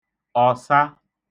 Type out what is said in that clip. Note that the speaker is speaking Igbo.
ọ̀sa